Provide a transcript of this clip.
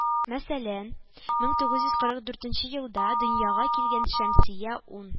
Мәсәлән, бер мең тугыз йөз кырык дүртенче елда дөньяга килгән Шәмсия ун